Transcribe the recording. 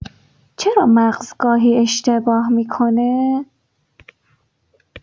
چرا مغز گاهی اشتباه می‌کنه؟